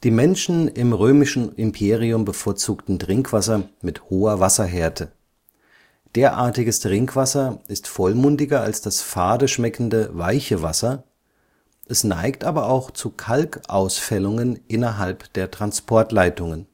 Menschen im römischen Imperium bevorzugten Trinkwasser mit hoher Wasserhärte. Derartiges Trinkwasser ist vollmundiger als das fade schmeckende weiche Wasser, es neigt aber auch zu Kalkausfällungen innerhalb der Transportleitungen